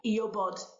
i wbod